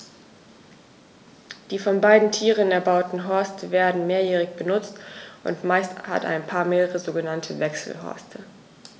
Die von beiden Tieren erbauten Horste werden mehrjährig benutzt, und meist hat ein Paar mehrere sogenannte Wechselhorste.